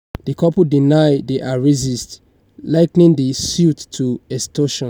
The couple deny they are racist, likening the suit to "extortion."